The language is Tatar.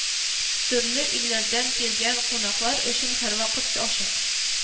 Төрле илләрдән килгән кунаклар өчен һәрвакыт ачык